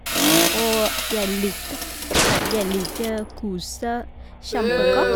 Og jeg likte nei jeg liker kurset kjempegodt.